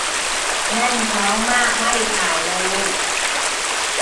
แน่นท้องมากไม่ถ่ายเลย